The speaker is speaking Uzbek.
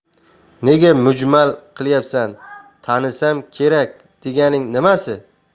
nega mujmal qilyapsan tanisam kerak deganing nimasi